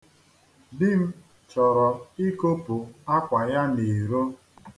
Di m chọrọ ikopụ akpa ya n'iro.